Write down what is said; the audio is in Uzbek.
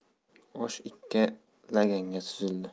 osh ikki laganga suzildi